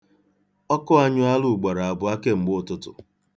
Ọkụ anyụọla ugboroabụọ kemgbe ụtụtụ.